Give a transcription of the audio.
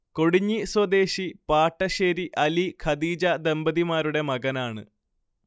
കൊടിഞ്ഞി സ്വദേശി പാട്ടശ്ശേരി അലി -ഖദീജ ദമ്പതിമാരുടെ മകനാണ്